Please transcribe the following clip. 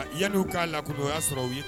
Yan' k'a lakun o y'a sɔrɔ u ye